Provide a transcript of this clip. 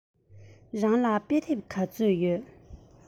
རང ལ དཔེ དེབ ག ཚོད ཡོད